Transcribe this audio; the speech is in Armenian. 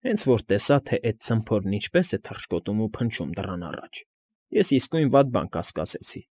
Հենց որ տեսա, թե էդ ցմփորն ինչպես է թռչկոտում ու փնճում դռան առաջ, ես իսկույն վատ բան կասկածեցի։